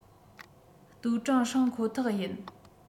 ཏུའུ ཀྲེང ཧྲེང ཁོ ཐག ཡིན